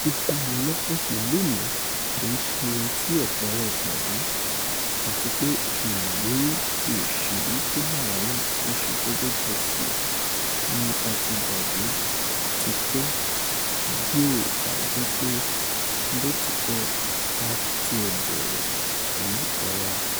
Ó banilọ́kàn pé lóòní, kìí ṣe ohùn ti ọ̀pọ̀ àwọn ìpàdé àtipe ìlérí ti òṣèlú ''tó láàánú, tó ńṣe jẹ́jẹ́ díẹ̀ síi'' ni a ti gbàgbé tipẹ́ bí ó bájẹ̀pé, lóòtítọ́, ó tiẹ̀ bẹ̀rẹ̀ rí rárá.